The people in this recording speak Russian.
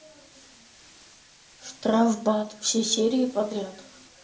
штрафбат все серии подряд